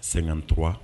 53